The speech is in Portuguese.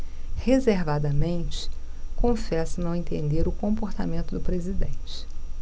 reservadamente confessa não entender o comportamento do presidente